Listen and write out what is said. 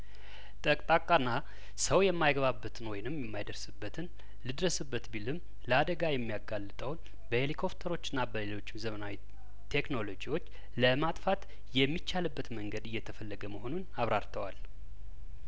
ጠቅጣቃና ሰው የማይገባበትን ወይንም የማይደርስበትን ልድረስበት ቢልም ለአደጋ የሚያጋልጠውን በሂሊኮፍተሮችና በሌሎችም ዘመናዊ ቴክኖሎጂዎች ለማጥፋት የሚቻልበት መንገድ እየተፈለገ መሆኑን አብራርተዋል